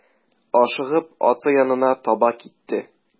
Ашыгып аты янына таба китте.